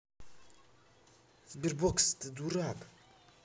sberbox ты дурак